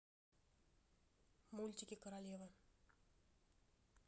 мультики королевы